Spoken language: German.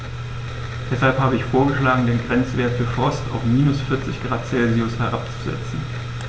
Deshalb habe ich vorgeschlagen, den Grenzwert für Frost auf -40 ºC herabzusetzen.